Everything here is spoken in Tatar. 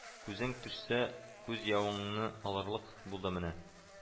Күзең төшсә күз явыңны алырлык булды менә